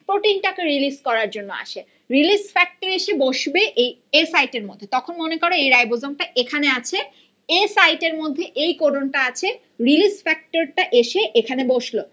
protein টাকে release করার জন্য আসে রিলিজ ফ্যাক্টর এসে বসবে এই এ সাইটের মধ্যে তখন মনে কর এই রাইবোজোম টা এখানে আছে এ সাইটের মধ্যে এই কোডনটা আছে রিলিজ ফ্যাক্টর টা এসে এখানে বসলো